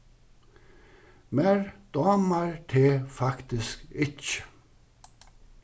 mær dámar teg faktisk ikki